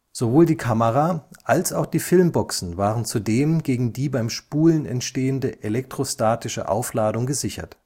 Sowohl die Kamera als auch die Filmboxen waren zudem gegen die beim Spulen entstehende elektrostatische Aufladung gesichert